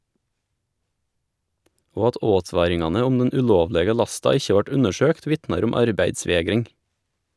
Og at åtvaringane om den ulovlege lasta ikkje vart undersøkt, vitnar om arbeidsvegring.